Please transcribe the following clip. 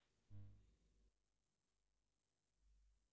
мертвое яблоко